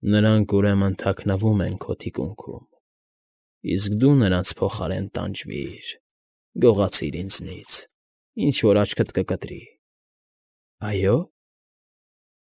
Նրանք, ուրեմն, թաքնվում են քո թիկունքում, իսկ դու նրանց փոխարեն տանջվիր, գողացիր ինձնից, ինչ որ աչքդ կկտրի, այո՞։